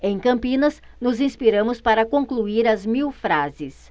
em campinas nos inspiramos para concluir as mil frases